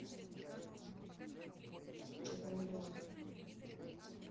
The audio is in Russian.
чек на миллион